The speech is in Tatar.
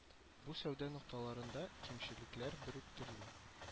Бу сәүдә нокталарында кимчелекләр бер үк төрле